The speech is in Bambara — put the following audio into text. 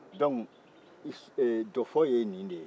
dɔnku dɔfɔ ye nin de ye